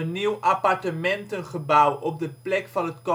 nieuw appartementengebouw op de plek van het coöperatiegebouw